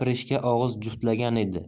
og'iz juftlagan edi